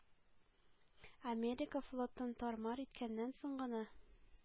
Америка флотын тар-мар иткәннән соң гына